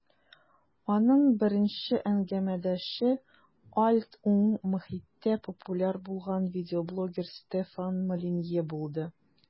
Аның беренче әңгәмәдәше "альт-уң" мохиттә популяр булган видеоблогер Стефан Молинье булды.